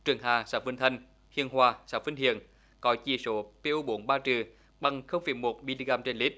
trường hạ xã vinh thanh khiêng hoa xã vinh hiền có chỉ số pi ô bốn ba trừ bằng không phẩy một mi li gam trên lít